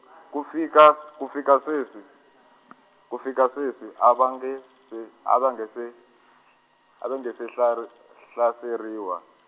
ku fika, ku fika sweswi , ku fika sweswi a va nge se, ava nge se-, ava nga se hlari-, hlaseriwa.